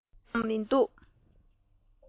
ཅི ཡང མི འདུག